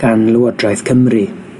gan Lywodraeth Cymru.